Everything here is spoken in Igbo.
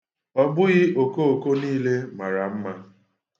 Ọ bụghị okooko nille mara mma.